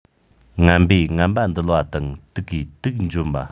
ངན པས ངན པ འདུལ བ དང དུག གིས དུག འཇོམས པ